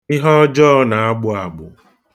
Ihe ọjọọ na-agbụ agbụ